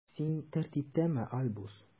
Син тәртиптәме, Альбус?